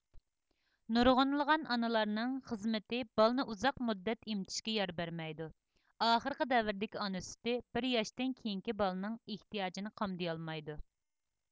نۇرغۇنلىغان ئانىلارنىڭ خىزمىتى بالىنى ئۇزاق مۇددەت ئېمتىشكە يار بەرمەيدۇ ئاخىرقى دەۋردىكى ئانا سۈتى بىر ياشتىن كېيىنكى بالىنىڭ ئېھتىياجىنى قامدىيالمايدۇ